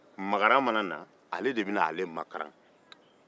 makaran de bɛ na ale makaran